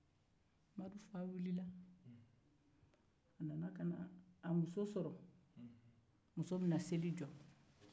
madu fa wulila a nana a sɔrɔ a muso bɛ na seli jɔ